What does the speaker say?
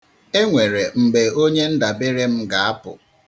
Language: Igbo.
E nwere mgbe onye ndabere m ga-apụ.